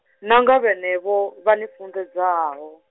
na nga vhenevho, vha ni funḓedzaho.